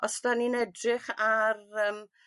os 'dan ni'n edrych ar yym